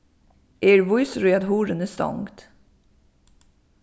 eg eri vísur í at hurðin er stongd